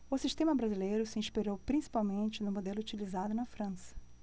o sistema brasileiro se inspirou principalmente no modelo utilizado na frança